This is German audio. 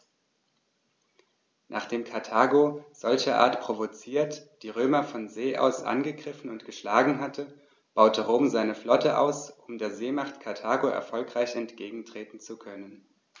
Nachdem Karthago, solcherart provoziert, die Römer von See aus angegriffen und geschlagen hatte, baute Rom seine Flotte aus, um der Seemacht Karthago erfolgreich entgegentreten zu können.